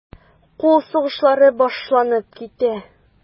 Кул сугышлары башланып китә.